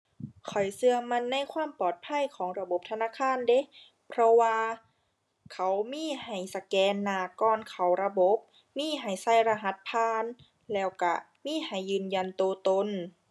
ข้อยเชื่อมั่นในความปลอดภัยของระบบธนาคารเดะ เพราะว่าเขามีให้สแกนหน้าก่อนเข้าระบบ มีให้ใส่รหัสผ่านแล้วเชื่อมีให้ยืนยันเชื่อตน